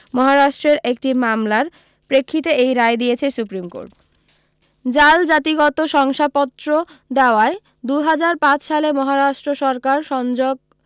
মহারাষ্ট্রের একটি মামলার প্রেক্ষিতে এই রায় দিয়েছে সুপ্রিম কোর্ট জাল জাতিগত শংসাপত্র দেওয়ায় দু হাজার পাঁচ সালে মহারাষ্ট্র সরকার সঞ্জক